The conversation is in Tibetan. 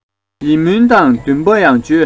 ཡིད སྨོན དང འདུན མའང བཅོལ